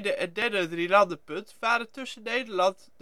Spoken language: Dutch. en derde drielandenpunt waren tussen Nederland